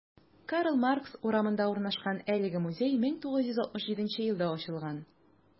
Карл Маркс урамында урнашкан әлеге музей 1967 елда ачылган.